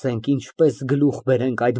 Ես ավազակ չեմ, Մարգարիտ։ ՄԱՐԳԱՐԻՏ ֊ Գնանք։